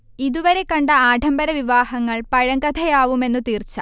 ഇതുവരെ കണ്ട ആഢംബര വിവാഹങ്ങൾ പഴങ്കഥയാവുമെന്നു തീർച്ച